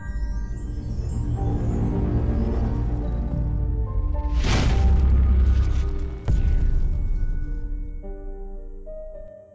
music